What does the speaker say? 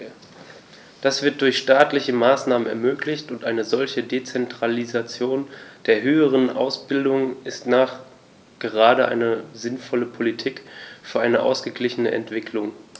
Das wird durch staatliche Maßnahmen ermöglicht, und eine solche Dezentralisation der höheren Ausbildung ist nachgerade eine sinnvolle Politik für eine ausgeglichene Entwicklung.